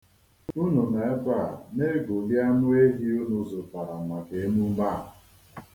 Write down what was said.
Unu nọ ebe a na-egoli anụ ehi unu zụtara maka emume a.